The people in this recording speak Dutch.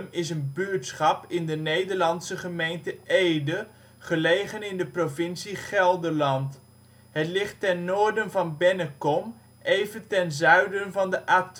is een buurtschap in de Nederlandse gemeente Ede, gelegen in de provincie Gelderland. Het ligt ten noorden van Bennekom, even ten zuiden van de A12